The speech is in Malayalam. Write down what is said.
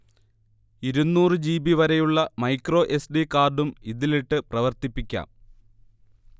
ഇരുന്നൂറ് ജിബി വരെയുളള മൈക്രോ എസ്. ഡി. കാർഡും ഇതിലിട്ട് പ്രവർത്തിപ്പിക്കാം